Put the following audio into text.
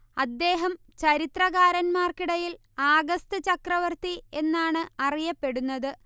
അദ്ദേഹം ചരിത്രകാരന്മാർക്കിടയിൽ ആഗസ്ത് ചക്രവർത്തി എന്നാണ് അറിയപ്പെടുന്നത്